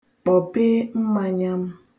Kpọpee mmanya m.